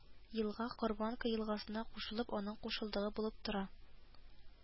Елга Корбанка елгасына кушылып, аның кушылдыгы булып тора